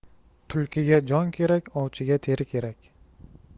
tulkiga jon kerak ovchiga teri kerak